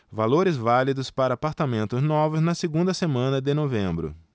valores válidos para apartamentos novos na segunda semana de novembro